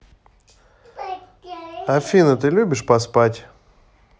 афина ты любишь поспать